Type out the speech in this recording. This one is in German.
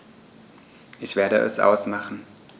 Ich werde es ausmachen